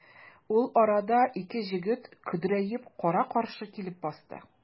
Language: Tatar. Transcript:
Ул арада ике җегет көдрәеп кара-каршы килеп басты.